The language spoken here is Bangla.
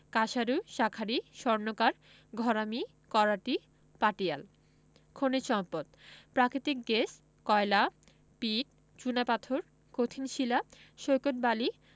কাঁসারু শাঁখারি স্বর্ণকার ঘরামি করাতি পাটিয়াল খনিজ সম্পদঃ প্রাকৃতিক গ্যাস কয়লা পিট চুনাপাথর কঠিন শিলা সৈকত বালি